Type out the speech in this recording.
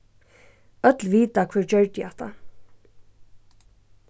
øll vita hvør gjørdi hatta